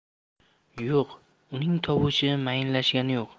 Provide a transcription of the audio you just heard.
yo'q uning tovushi mayinlashgani yo'q